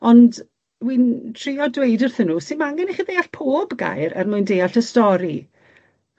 Ond wi'n trio dweud wrthyn nw, sim angen i chi ddeall pob gair er mwyn deall y stori.